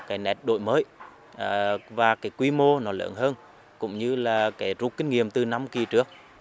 cái nét đổi mới và cái quy mô lớn hơn cũng như là kẻ rút kinh nghiệm từ năm kỳ trước